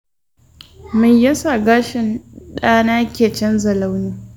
meyasa gashin ɗa na ke canza launi?